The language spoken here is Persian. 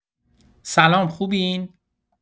سلام خوبین؟